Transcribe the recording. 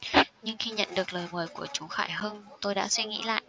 nhưng khi nhận được lời mời của chú khải hưng tôi đã suy nghĩ lại